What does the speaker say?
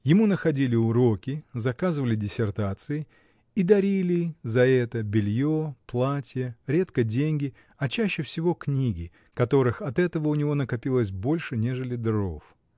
Ему находили уроки, заказывали диссертации и дарили за это белье, платье, редко деньги, а чаще всего книги, которых от этого у него накопилось больше, нежели дров.